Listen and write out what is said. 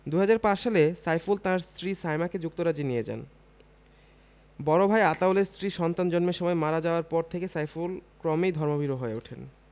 ২০০৫ সালে সাইফুল তাঁর স্ত্রী সায়মাকে যুক্তরাজ্যে নিয়ে যান বড় ভাই আতাউলের স্ত্রী সন্তান জন্মের সময় মারা যাওয়ার পর থেকে সাইফুল ক্রমেই ধর্মভীরু হয়ে ওঠেন